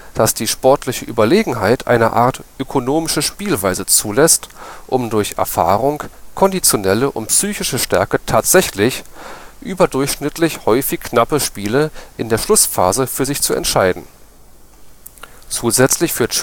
Überlegenheit eine Art ökonomische Spielweise zulässt, um durch Erfahrung, konditionelle und psychische Stärke tatsächlich überdurchschnittlich häufig knappe Spiele in der Schlussphase für sich zu entscheiden. Zusätzlich führt